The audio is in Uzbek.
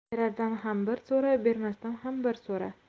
berardan ham bir so'ra bermasdan ham bir so'ra